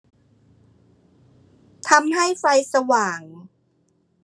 ทำให้ไฟสว่าง